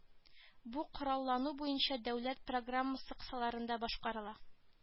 Бу кораллану буенча дәүләт программасы кысаларында башкарыла